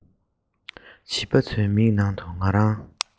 བྱིས པ ཚོའི མིག ནང དུ ང རང